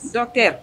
Docteur